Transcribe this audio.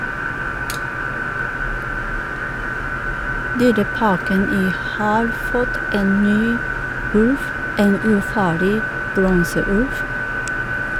Dyreparken i har fått en ny ulv - en ufarlig bronseulv.